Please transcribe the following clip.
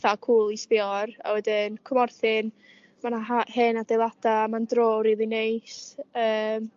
cŵl i sbïo ar a wedyn Cwmorthin ma' 'na ha- hên adeilada' ma'n dro rili neis yym